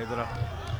Hayidara